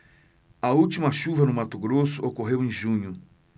a última chuva no mato grosso ocorreu em junho